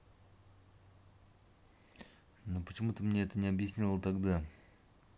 ну почему ты мне это не объяснила тогда